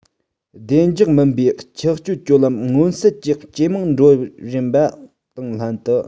བདེ འཇགས མིན པའི ཆགས སྤྱོད སྤྱོད ལམ མངོན གསལ གྱིས ཇེ མང དུ འགྲོ བཞིན པ དང ལྷན དུ